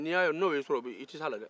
n'i y'a ye ni o y'i sɔrɔ i tɛ se a la dɛɛ